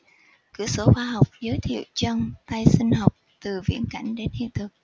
cửa sổ khoa học giới thiệu chân tay sinh học từ viễn cảnh đến hiện thực